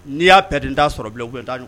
N'i y'aɛden n t'a sɔrɔ bilaku t'